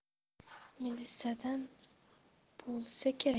milisadan bo'lsa kerak